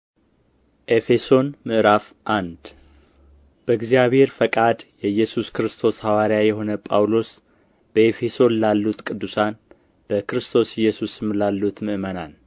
ኤፌሶን ምዕራፍ አንድ በእግዚአብሔር ፈቃድ የኢየሱስ ክርስቶስ ሐዋርያ የሆነ ጳውሎስ በኤፌሶን ላሉት ቅዱሳን በክርስቶስ ኢየሱስም ላሉት ምእመናን